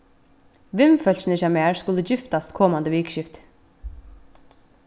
vinfólkini hjá mær skulu giftast komandi vikuskiftið